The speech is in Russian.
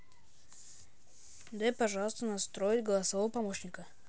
дай пожалуйста настроить голосового помощника